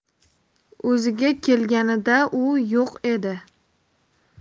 o'ziga kelganida u yo'q edi